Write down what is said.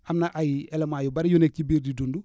am na ay éléments yu bëri yu nekk ci biir di dund